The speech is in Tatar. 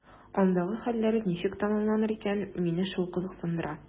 Андагы хәлләр ничек тәмамланыр икән – мине шул кызыксындыра.